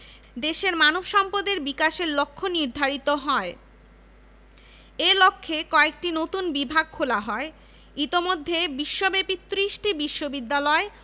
এছাড়াও এ পর্যন্ত ১৯ জন শিক্ষককে স্বাধীনতা পুরস্কার প্রদান করা হয় তাঁরা হলেন ড. মোকাররম হোসেন খন্দকার রসায়ন বিভাগ মরণোত্তর